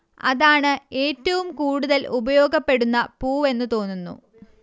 അതാണ് ഏറ്റവും കൂടുതൽ ഉപയോഗിക്കപ്പെടുന്ന പൂവ് എന്നു തോന്നുന്നു